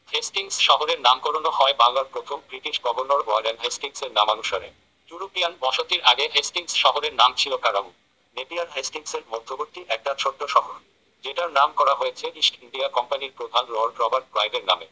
Hastings শহরের নামকরণও হয় বাংলার প্রথম ব্রিটিশ গভর্নর ওয়ারেন হেস্টিংসের নামানুসারে ইউরোপিয়ান বসতির আগে হেস্টিংস শহরের নাম ছিল কারামু নেপিয়ার হেস্টিংসের মধ্যবর্তী একটা ছোট্ট শহর যেটার নাম করা হয়েছে ইস্ট ইন্ডিয়া কোম্পানির প্রধান লর্ড রবার্ট ক্লাইভের নামে